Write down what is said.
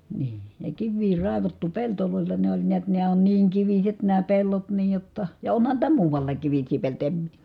niin ja kiviä raivattu pelloilla ne oli näet nämä on niin kiviset nämä pellot niin jotta ja onhan niitä muuallakin kivisiä peltoja en -